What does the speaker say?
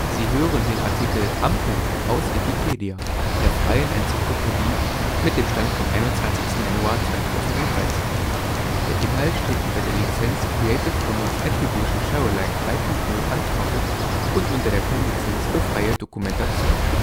Sie hören den Artikel Ampel, aus Wikipedia, der freien Enzyklopädie. Mit dem Stand vom Der Inhalt steht unter der Lizenz Creative Commons Attribution Share Alike 3 Punkt 0 Unported und unter der GNU Lizenz für freie Dokumentation